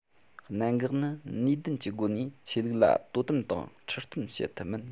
གནད འགག ནི ནུས ལྡན གྱི སྒོ ནས ཆོས ལུགས ལ དོ དམ དང ཁྲིད སྟོན བྱེད ཐུབ མིན